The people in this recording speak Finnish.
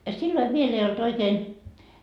ja silloin vielä ei ollut oikein